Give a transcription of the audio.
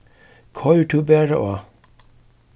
koyr tú bara á